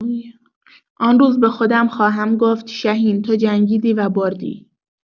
آن روز به خودم خواهم گفت شهین تو جنگیدی و بردی.